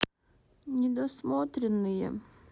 недосмотренные